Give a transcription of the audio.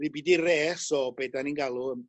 ribidi res o be' 'dan ni'n galw yn